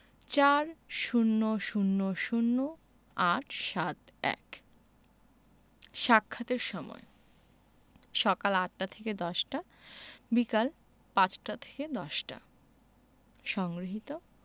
৪০০০৮৭১ সাক্ষাতের সময়ঃসকাল ৮টা থেকে ১০টা - বিকাল ৫টা থেকে ১০টা সংগৃহীত